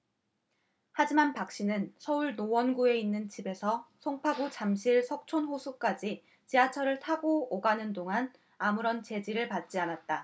하지만 박씨는 서울 노원구에 있는 집에서 송파구 잠실 석촌호수까지 지하철을 타고 오가는 동안 아무런 제지를 받지 않았다